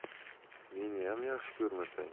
meniyam yaxshi ko'rmasang